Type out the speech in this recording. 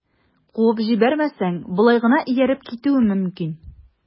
Куып җибәрмәсәң, болай гына ияреп китүем мөмкин...